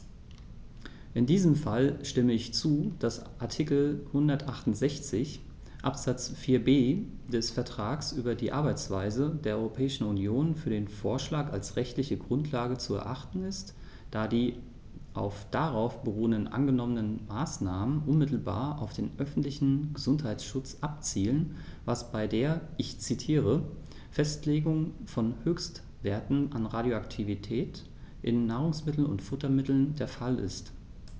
In diesem Fall stimme ich zu, dass Artikel 168 Absatz 4b des Vertrags über die Arbeitsweise der Europäischen Union für den Vorschlag als rechtliche Grundlage zu erachten ist, da die auf darauf beruhenden angenommenen Maßnahmen unmittelbar auf den öffentlichen Gesundheitsschutz abzielen, was bei der - ich zitiere - "Festlegung von Höchstwerten an Radioaktivität in Nahrungsmitteln und Futtermitteln" der Fall ist.